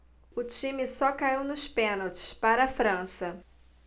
o time só caiu nos pênaltis para a frança